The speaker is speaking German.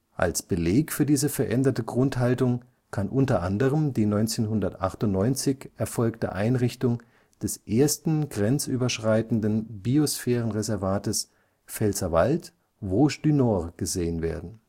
Als Beleg für diese veränderte Grundhaltung kann u. a. die 1998 erfolgte Einrichtung des ersten grenzüberschreitenden Biosphärenreservates Pfälzerwald-Vosges du Nord gesehen werden